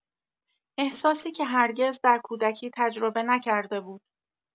احساسی که هرگز در کودکی تجربه نکرده بود